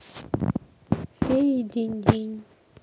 феи динь динь